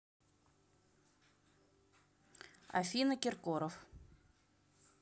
афина киркоров